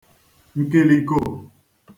ǹkìlìkò